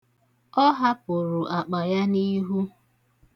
Ọ hapụru akpa ya n'ihu.